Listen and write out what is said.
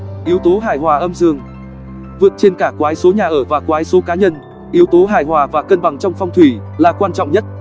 yếu tố hài hòa âm dương vượt trên cả quái số nhà ở và quái số cá nhân yếu tố hài hòa và cân bằng trong phong thủy là quan trọng nhất